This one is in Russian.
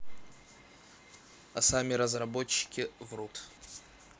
а сами разработчики врут